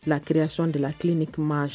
Lakireyasi de laki ni kuma